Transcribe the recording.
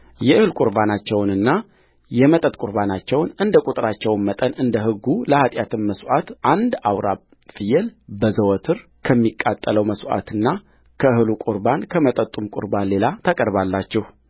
የእህል ቍርባናቸውንና የመጠጥ ቍርባናቸውን እንደ ቍጥራቸውም መጠን እንደ ሕጉለኃጢአትም መሥዋዕት አንድ አውራ ፍየል በዘወትር ከሚቃጠለው መሥዋዕትና ከእህሉ ቍርባን ከመጠጡም ቍርባን ሌላ ታቀርባላችሁ